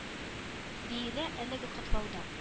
Диелә әлеге котлауда